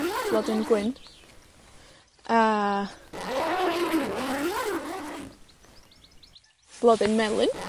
Blodyn gwyn, a, blodyn melyn.